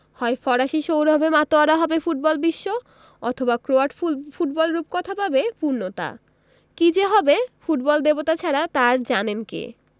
হয় ফরাসি সৌরভে মাতোয়ারা হবে ফুটবলবিশ্ব অথবা ক্রোয়াট ফুটবল রূপকথা পাবে পূর্ণতা কী যে হবে ফুটবল দেবতা ছাড়া তা আর জানেন কে